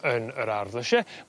yn yr ardd lysie